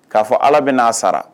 K'a fɔ ala bɛ n'a sara